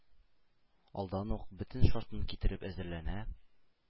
Алдан ук бөтен шартын китереп әзерләнә: